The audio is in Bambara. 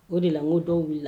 O de la ko dɔw wulila